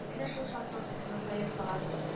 Әнә шул шатлык дулкынында йотылыгасың